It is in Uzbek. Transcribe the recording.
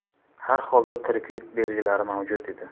harholda tiriklik belgilari mavjud edi